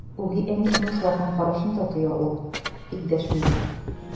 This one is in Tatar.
Үги әнисенең салкын карашын да тоя ул, тик дәшми генә.